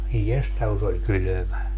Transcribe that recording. ai jesta kun se oli kylmä